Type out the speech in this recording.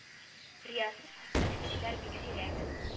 Риясыз хезмәт итүчеләр бик сирәк